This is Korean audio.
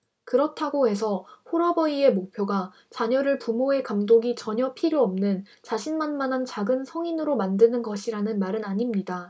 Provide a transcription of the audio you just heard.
그렇다고 해서 홀어버이의 목표가 자녀를 부모의 감독이 전혀 필요 없는 자신만만한 작은 성인으로 만드는 것이라는 말은 아닙니다